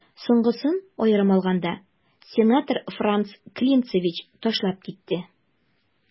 Соңгысын, аерым алганда, сенатор Франц Клинцевич ташлап китте.